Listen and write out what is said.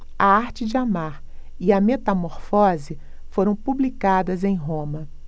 a arte de amar e a metamorfose foram publicadas em roma